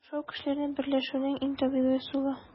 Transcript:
Ашау - кешеләрне берләшүнең иң табигый ысулы.